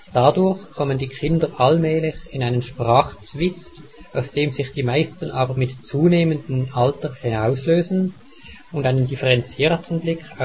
Dadurch kommen die Kinder allmählich in einen " Sprachzwist ", aus dem sich die meisten aber mit zunehmenden Alter herauslösen und einen differenzierten Blick